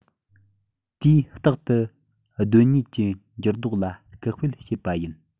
དེས རྟག ཏུ གདོད ནུས ཀྱི འགྱུར ལྡོག ལ སྐུལ སྤེལ བྱེད པ ཡིན